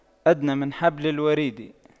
أدنى من حبل الوريد